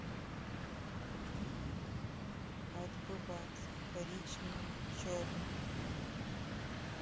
отбывать коричневый черный